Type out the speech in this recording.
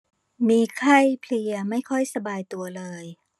มีไข้เพลียไม่ค่อยสบายตัวเลย